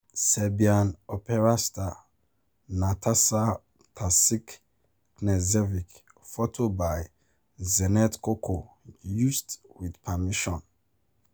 Serbian opera star Nataša Tasić Knežević, photo by Dzenet Koko, used with permission.